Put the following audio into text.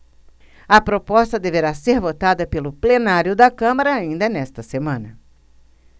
a proposta deverá ser votada pelo plenário da câmara ainda nesta semana